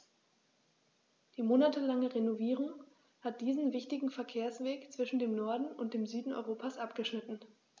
Die monatelange Renovierung hat diesen wichtigen Verkehrsweg zwischen dem Norden und dem Süden Europas abgeschnitten.